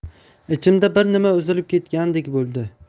ichimda bir nima uzilib ketgandek bo'ldi